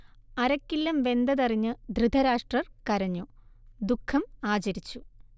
അരക്കില്ലം വെന്തതറിഞ്ഞ് ധൃതരാഷ്ട്രർ കരഞ്ഞു; ദുഃഖം ആചരിച്ചു